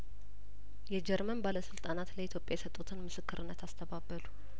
የጀርመን ባለስልጣናት ለኢትዮጵያየሰጡትንምስክርነት አስተባ በሉ